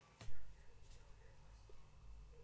алиса тупотина выделяя